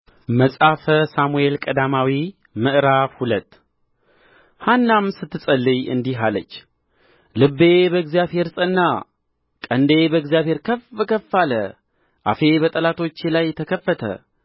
መጽሐፈ ሳሙኤል ቀዳማዊ ምዕራፍ ሁለት ሐናም ስትጸልይ እንዲህ አለች ልቤ በእግዚአብሔር ጸና ቀንዴ በእግዚአብሔር ከፍ ከፍ አለ አፌ በጠላቶቼ ላይ ተከፈተ